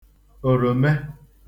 òròme